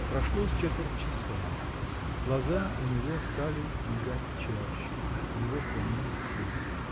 Прошло с четверть часа, глаза у него стали мигать чаще. Его клонил сон.